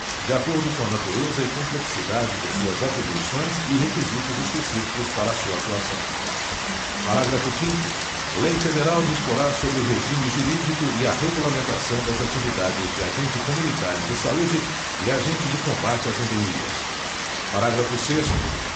de acordo com a natureza e complexidade de suas atribuições e requisitos específicos para sua atuação parágrafo quinto lei federal disporá sobre o regime jurídico e a regulamentação das atividades de agente comunitário de saúde e agente de combate às endemias parágrafo sexto